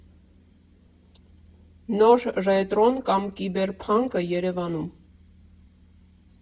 Նոր ռետրոն կամ կիբերփանկը Երևանում։